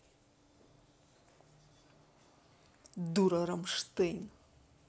дура rammstein